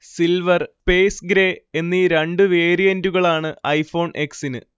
silver, space grey എന്നീ രണ്ടു വേരിയന്റുകളാണ് ഐഫോൺ എക്സിന്